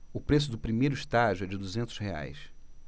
o preço do primeiro estágio é de duzentos reais